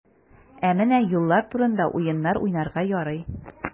Ә менә юллар турында уеннар уйнарга ярый.